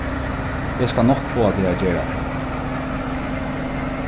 eg skal nokk fáa teg at gera tað